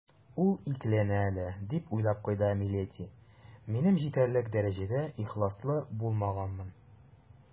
«ул икеләнә әле, - дип уйлап куйды миледи, - минем җитәрлек дәрәҗәдә ихласлы булмаганмын».